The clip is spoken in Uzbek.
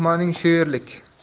mehmoning shu yerlik